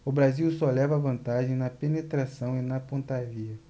o brasil só leva vantagem na penetração e na pontaria